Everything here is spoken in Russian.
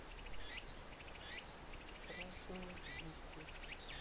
страшные звуки